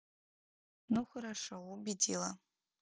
ну хорошо убедила